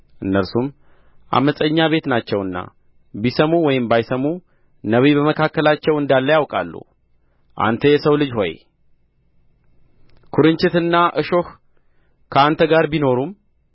እነርሱም ዓመፀኛ ቤት ናቸውና ቢሰሙ ወይም ባይሰሙ ነቢይ በመካከላቸው እንዳለ ያውቃሉ አንተ የሰው ልጅ ሆይ ኵርንችትና እሾህ ከአንተ ጋር ቢኖሩም